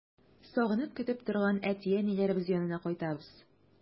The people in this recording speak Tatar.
Сагынып көтеп торган әти-әниләребез янына кайтабыз.